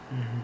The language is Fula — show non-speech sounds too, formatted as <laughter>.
<hesitation> <hesitation>